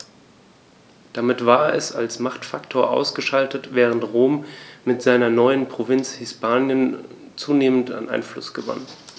Damit war es als Machtfaktor ausgeschaltet, während Rom mit seiner neuen Provinz Hispanien zunehmend an Einfluss gewann.